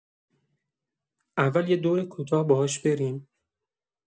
اول یه دور کوتاه باهاش بریم؟